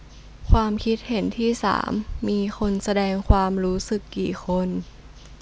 ความคิดเห็นที่สามมีคนแสดงความรู้สึกกี่คน